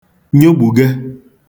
nyogbùge